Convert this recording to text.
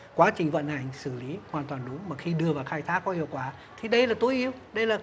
quá trình vận hành xử lý hoàn toàn đúng mực khi đưa vào khai thác có hiệu quả thì đây là tối ưu đây là